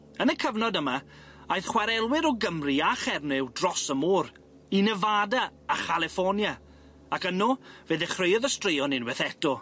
Yn y cyfnod yma aeth chwarelwyr o Gymru a Chernyw dros y môr i Nevada a Chaliffornia ac yno fe ddechreuodd y straeon unweth eto.